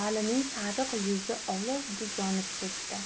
valining sariq yuzi olovdek yonib ketdi